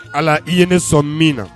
Ala i ye ne sɔn min na